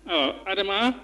Ɔ adama